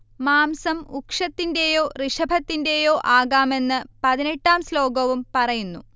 മാംസം ഉക്ഷത്തിന്റെയോ ഋഷഭത്തിന്റെയോ ആകാമെന്ന് പതിനെട്ടാം ശ്ലോകവും പറയുന്നു